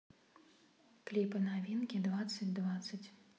клипы новинки двадцать двадцать